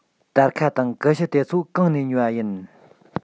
སྟར ཁ དང ཀུ ཤུ དེ ཚོ གང ནས ཉོས པ ཡིན